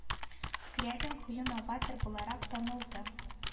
Скрябин кыю новатор буларак танылды